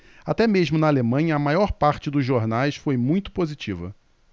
até mesmo na alemanha a maior parte dos jornais foi muito positiva